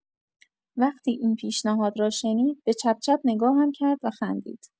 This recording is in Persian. وقتی این پیشنهاد را شنید، به چپ‌چپ نگاهم کرد و خندید.